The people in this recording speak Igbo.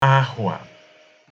ahụ̀à